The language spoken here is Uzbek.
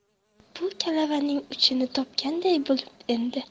bu kalavaning uchini topganday bo'lib edi